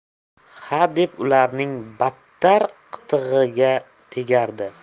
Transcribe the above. xa deb ularning battar qitig'iga tegardi